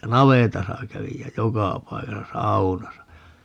ja navetassa kävin ja joka paikassa saunassa